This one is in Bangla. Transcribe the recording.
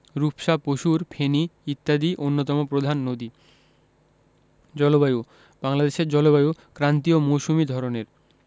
রূপসা পসুর ফেনী ইত্যাদি অন্যতম প্রধান নদী জলবায়ুঃ বাংলাদেশের জলবায়ু ক্রান্তীয় মৌসুমি ধরনের